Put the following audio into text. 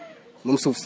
moom suuf si